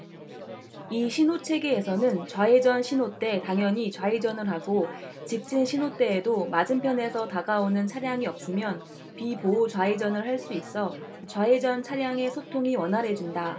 이 신호체계에서는 좌회전 신호 때 당연히 좌회전을 하고 직진 신호 때에도 맞은편에서 다가오는 차량이 없으면 비보호 좌회전을 할 수 있어 좌회전 차량의 소통이 원활해진다